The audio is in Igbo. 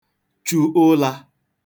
chu ụlā